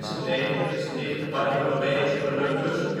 1496 stichtte Bartholomeüs Columbus